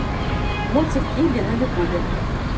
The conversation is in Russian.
мультик иби на ютубе